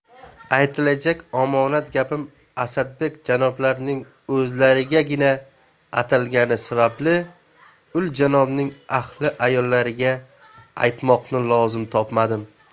aytilajak omonat gapim asadbek janoblarining o'zlarigagina atalgani sababli ul janobning ahli ayollariga aytmoqni lozim topmadim